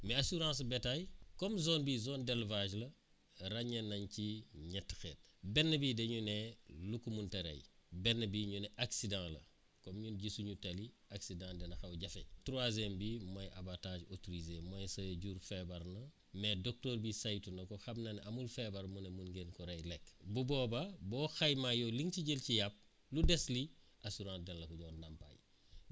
mais assurance bétail comme zone bi zone d' élevage la ràññee nañ ci ñetti xeet benn bi dañu ne lu ko munta rey benn bi ñu ne accident la come ñun gisuñu tali accident dana xaw jafe troisième bi mooy abatage autorisé mooy say jur feebar na mais docteur bi saytu na ko xam na ne amul feebar mu ne mun ngeen ko rey lekk bu boobaa boo xaymaa yow li nga ci jël ci yàpp lu des li assurance dana la ko jox ndàmpaay